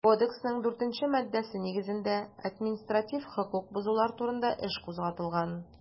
Кодексның 4 нче маддәсе нигезендә административ хокук бозулар турында эш кузгатылган.